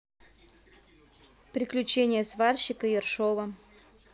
приключения сварщика ершова